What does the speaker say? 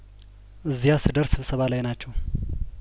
እዚያስ ደርስ ስብሰባ ላይ ናቸው